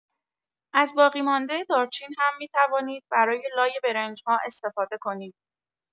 از باقی‌مانده دارچین هم می‌توانید برای لای برنج‌ها استفاده کنید.